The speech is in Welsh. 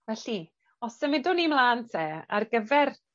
Felly, os symudwn ni mlan 'te ar gyfer